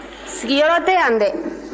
sigiyɔrɔ tɛ yan dɛ